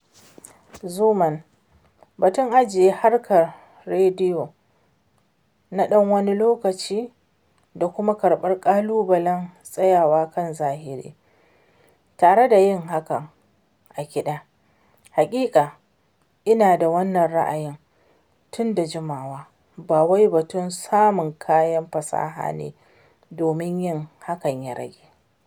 Xuman: Batun ajiye harkar rediyo na ɗan wani lokaci da kuma karɓar ƙalubalen tsayawa kan zahiri, tare da yin hakan a kiɗi... haƙiƙa ina da wannan ra'ayin tun da jimawa, kawai batun samun kayan fasaha ne domin yin hakan ya rage.